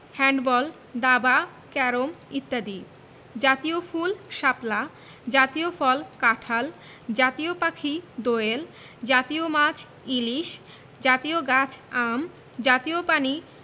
handball দাবা carrom ইত্যাদি জাতীয় ফুলঃ শাপলা জাতীয় ফলঃ কাঁঠাল জাতীয় পাখিঃ দোয়েল জাতীয় মাছঃ ইলিশ জাতীয় গাছঃ আম জাতীয় পানি প্রাণী